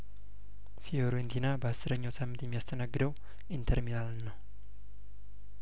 ፊዮሬንቲና በአስረኛው ሳምንት የሚያስተናግደው ኢንተር ሚላንን ነው